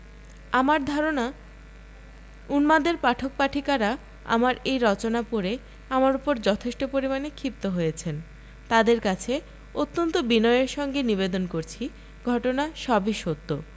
আমার ধারণা উন্মাদের পাঠক পাঠিকার আমার এই রচনা পড়ে আমার উপর যথেষ্ট পরিমাণে ক্ষিপ্ত হয়েছেন তাঁদের কাছে অত্যন্ত বিনয়ের সঙ্গে নিবেদন করছি ঘটনা সবই সত্য